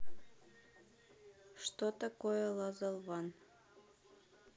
что такое лазолван